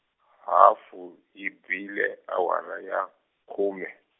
hafu i bile awara ya khume.